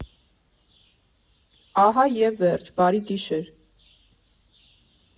Ահա և վերջ, բարի գիշեր։